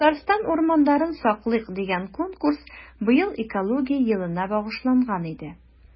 “татарстан урманнарын саклыйк!” дигән конкурс быел экология елына багышланган иде.